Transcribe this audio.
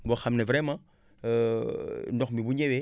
boo xam ne vraiment ndox mi bu ñëwee